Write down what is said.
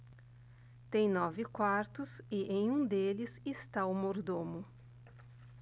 tem nove quartos e em um deles está o mordomo